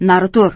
nari tur